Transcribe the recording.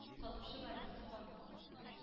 Сатучы лариса ханым.